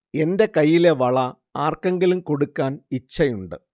എന്റെ കൈയിലെ വള ആർക്കെങ്കിലും കൊടുക്കാൻ ഇച്ഛയുണ്ട്